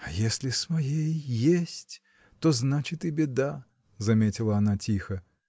— А если с моей — есть, то, значит, и беда! — заметила она тихо.